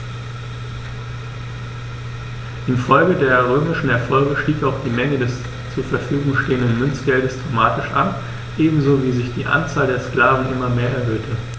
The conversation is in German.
Infolge der römischen Erfolge stieg auch die Menge des zur Verfügung stehenden Münzgeldes dramatisch an, ebenso wie sich die Anzahl der Sklaven immer mehr erhöhte.